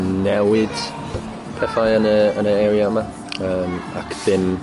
newid pethau yn y yn y area yma yym ac dim